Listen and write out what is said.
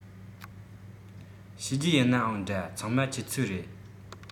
བྱས རྗེས ཡིན ནའང འདྲ ཚང མ ཁྱེད ཚོའི རེད